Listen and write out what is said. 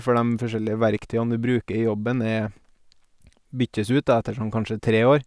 For dem forskjellige verktøyene du bruker i jobben er byttes ut, da, etter sånn kanskje tre år.